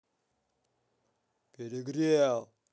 перегрел